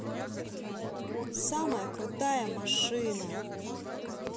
самая крутая машина